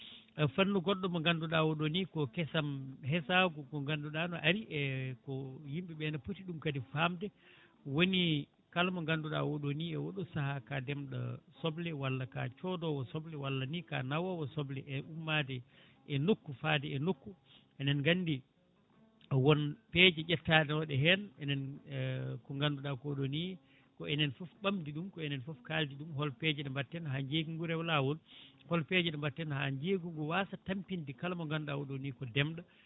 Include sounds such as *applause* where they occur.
fanno goɗɗo mo ganduɗa oɗo ni ko kesam hesagu ko ganduɗa no ari e ko yimɓeɓe ne pooti ɗum kadi famde woni kala mo ganduɗa oɗoni e oɗo saaha ko demɗo soble walla ka soodowo soble wallani ka nawowo soble e ummade e nokku fade e nokku enen gandi won peeje ƴettanoɗe hen enen *hesitation* ko ganduɗa koɗo ni ko enen foof ɓamdi ɗum ko enen foof kaldi ɗum hol peeje ɗe mbatten ha jeygungu rewa lawol ho peeje ɗe mbatten ha jeygungu wasa tampinde kala mo ganduɗa oɗoni ko ndemɗo